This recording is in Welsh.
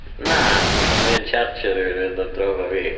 Na, ond 'swn i yn tsarjio rhywun i fynd am dro efo fi.